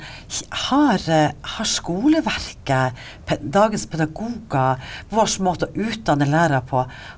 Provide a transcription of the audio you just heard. kj har har skoleverket dagens pedagoger vår måte å utdanne lærere på.